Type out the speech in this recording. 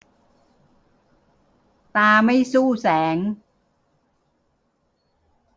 ตาไม่สู้แสง